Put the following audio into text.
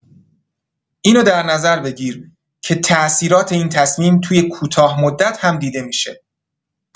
اینو در نظر بگیر که تاثیرات این تصمیم توی کوتاه‌مدت هم دیده می‌شه.